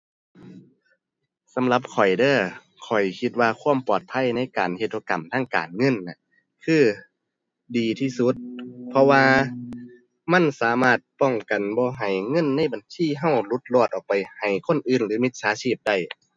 สำหรับข้อยเด้อ ข้อยคิดว่าความปลอดภัยในการเฮ็ดธุรกรรมทางการเงินน่ะ คือดีที่สุด เพราะว่ามันสามารถป้องกันบ่ให้เงินในบัญชีเราหลุดรอดออกไปให้คนอื่นหรือมิจฉาชีพได้